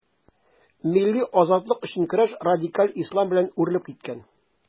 Милли азатлык өчен көрәш радикаль ислам белән үрелеп киткән.